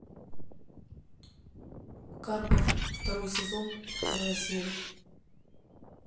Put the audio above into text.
карпов второй сезон вторая серия